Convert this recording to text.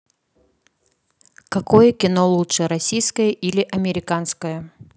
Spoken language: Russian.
какое кино лучше российское или американское